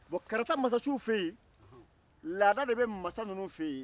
bɔn karta mansasiw fɛ yen laada de bɛ mansa ninnu fɛ yen